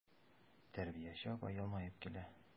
Тәрбияче апа елмаеп килә.